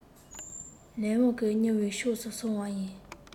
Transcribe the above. ལས དབང གི རྙིའི ཕྱོགས སུ སོང བ ཡིན